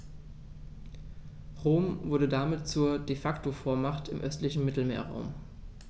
Rom wurde damit zur ‚De-Facto-Vormacht‘ im östlichen Mittelmeerraum.